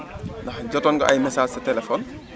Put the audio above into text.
ndax jotoon nga ay message sa téléphone